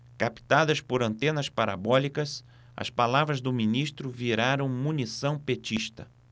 captadas por antenas parabólicas as palavras do ministro viraram munição petista